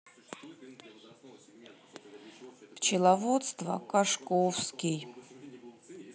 пчеловодство кашковский